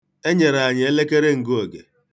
E nyere anyị elekere ngụoge.